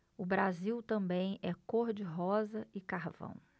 o brasil também é cor de rosa e carvão